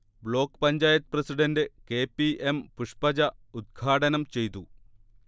Block panchayat president K. P. M. Pushpaja ഉദ്ഘാടനംചെയ്തു